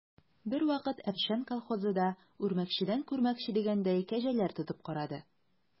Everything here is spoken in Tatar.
Бервакыт «Әпшән» колхозы да, үрмәкчедән күрмәкче дигәндәй, кәҗәләр тотып карады.